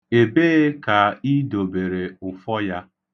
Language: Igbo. Ebee ka i dobere ụfọ ya?